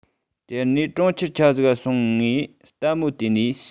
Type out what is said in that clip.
དེ ནས གྲོང ཁྱེར ཆ ཚིག ག སོང ངས ལྟད མོ བལྟས ནིས